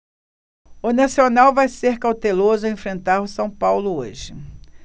o nacional vai ser cauteloso ao enfrentar o são paulo hoje